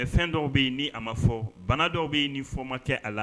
Mɛ fɛn dɔw bɛ ni a ma fɔ bana dɔw bɛ nin fɔma kɛ a la